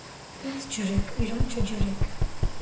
Ինձ ջրեք, իրան չջրեք։